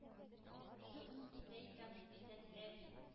Үзе уң итә икән ул”, – ди тәнзилә әби.